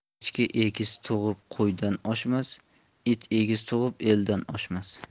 echki egiz tug'ib qo'ydan oshmas it egiz tug'ib eldan oshmas